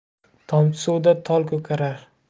tomchi suvda tol ko'karar